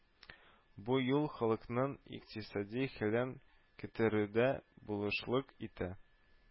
Бу юл халыкның икътисади хәлен күтәрүдә булышлык итә